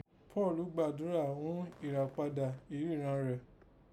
Pọ́ọ̀lù gbàdúrà ghún ìrànpadà ìríran rẹ̀